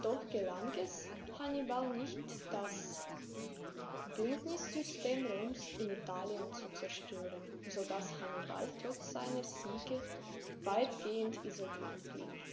doch gelang es Hannibal nicht, das Bündnissystem Roms in Italien zu zerstören, sodass Hannibal trotz seiner Siege weitgehend isoliert blieb.